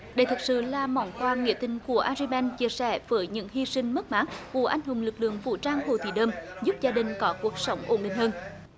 đây thực sự là món quà nghĩa tình của a gờ ri banh chia sẻ với những hy sinh mất mát của anh hùng lực lượng vũ trang hồ thị đơm giúp gia đình có cuộc sống ổn định hơn